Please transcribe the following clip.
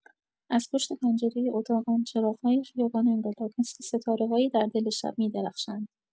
از پشت پنجرۀ اتاقم، چراغ‌های خیابان انقلاب مثل ستاره‌هایی در دل شب می‌درخشند.